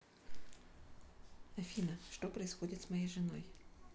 афина что происходит с моей женой